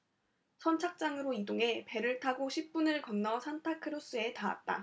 선착장으로 이동해 배를 타고 십 분을 건너 산타크루스에 닿았다